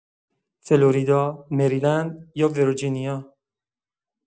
فلوریدا، مریلند، یا ویرجینیا